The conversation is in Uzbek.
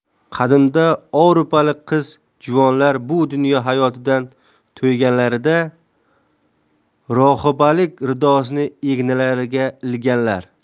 qadimda ovrupolik qiz juvonlar bu dunyo hayotidan to'yganlarida rohibalik ridosini egnilariga ilganlar